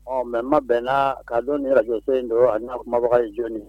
Ɔ mɛ ma bɛnna ka don ni araso in don a kumabaga ye jooni